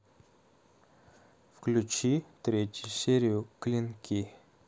включи третью серию клиники